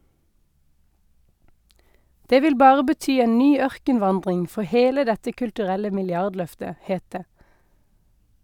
Det vil bare bety en ny ørkenvandring for hele dette kulturelle milliardløftet, het det.